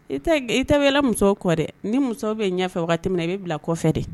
I tɛ bɛ ala muso kɔ dɛ ni muso bɛ ɲɛ fɛ waati wagatiminɛ na i bɛ bila kɔ kɔfɛ dɛ